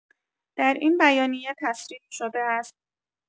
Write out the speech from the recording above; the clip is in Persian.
در این بیانیه تصریح‌شده است